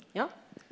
ja.